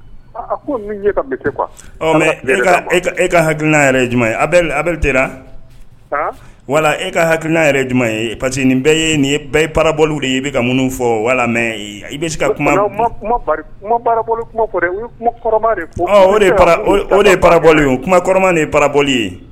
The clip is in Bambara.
E ka ha e ka haki ɲuman ye parce que nin bɛɛ ye de ye i bɛ mun fɔ walima i ka o de ye ye o de ye ye